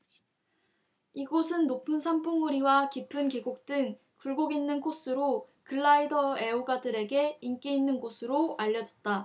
이곳은 높은 산봉우리와 깊은 계곡 등 굴곡 있는 코스로 글라이더 애호가들에게 인기 있는 곳으로 알려졌다